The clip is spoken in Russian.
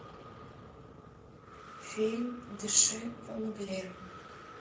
фильм дыши во мгле